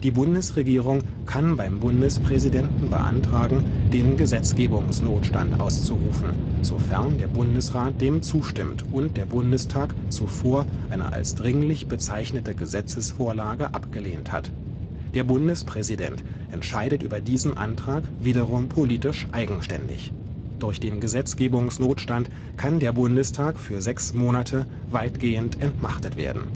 Bundesregierung kann beim Bundespräsidenten beantragen, den Gesetzgebungsnotstand auszurufen, sofern der Bundesrat dem zustimmt und der Bundestag zuvor eine als dringlich bezeichnete Gesetzesvorlage abgelehnt hat. Der Bundespräsident entscheidet über diesen Antrag wiederum politisch eigenständig. Durch den Gesetzgebungsnotstand kann der Bundestag für sechs Monate weitgehend entmachtet werden